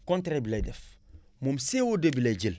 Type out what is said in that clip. contraire bi lay def moom CO2 bi lay jë